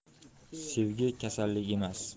sevgi kasallik emas